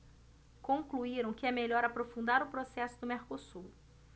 concluíram que é melhor aprofundar o processo do mercosul